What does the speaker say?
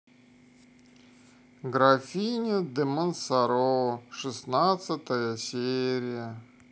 графиня де монсоро шестнадцатая серия